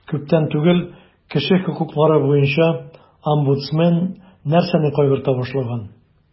Күптән түгел кеше хокуклары буенча омбудсмен нәрсәне кайгырта башлаган?